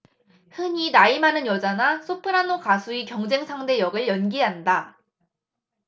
흔히 나이 많은 여자나 소프라노 가수의 경쟁 상대 역을 연기한다